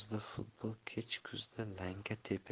futbol kech kuzda lanka tepish